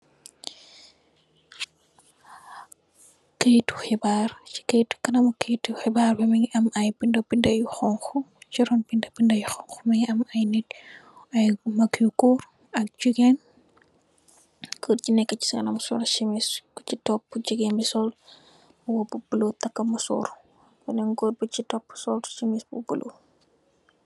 Kayetu, ci kanamu kayetu heebar bi mungi am ay binda-binda yu honku. Chi ron binda-binda yu honku yi mungi am ay nit ay mag yu góor ak jigéen. Gòor ju nekka chi kanam sol simiss, Ku chi topu jigéen bi sol mbubu bu bulo takk Musor. Benen gòor bu chi topu sol simiss bu bulo.